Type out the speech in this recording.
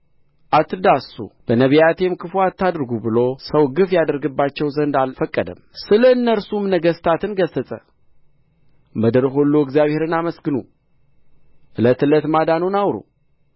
አትዳስሱ በነቢያቴም ክፉ አታድርጉ ብሎ ሰው ግፍ ያደርግባቸው ዘንድ አልፈቀደም ስለ እነርሱም ነገሥታትን ገሠጸ ምድር ሁሉ እግዚአብሔርን አመስግኑ ዕለት ዕለት ማዳኑን አውሩ